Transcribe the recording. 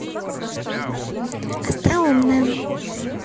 остроумная